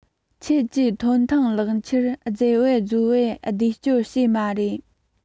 ཁྱེད ཀྱིས ཐོབ ཐང ལག ཁྱེར རྫབ བེ རྫོབ བེ བེད སྤྱོད བྱེད མ རེད